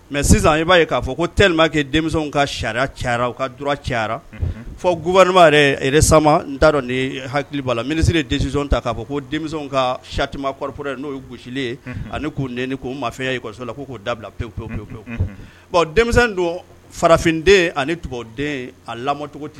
Mɛ sisan i b'a'a fɔ ko te'a kɛ dɛ ka sariya cayara u kaura cayaraba n'a hakiliba la minisiri de de ta k'a fɔ ko dɛ ka satimaporo ye n'o ye gosilen ye ani kun den ko mafɛnya yekɔsola k''o da bila pewu pewu bon dɛ don farafinden ani den a lamɔ cogo